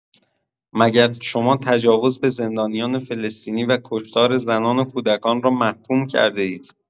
مگر شما تجاوز به زندانیان فلسطینی و کشتار زنان و کودکان را محکوم کرده‌اید؟